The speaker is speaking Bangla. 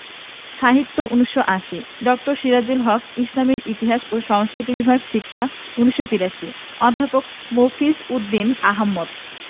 সাহিত্য ১৯৮০ ড. সিরাজুল হক ইসলামের ইতিহাস ও সংস্কৃতি বিভাগ শিক্ষা ১৯৮৩ অধ্যাপক মফিজ উদ দীন আহমদ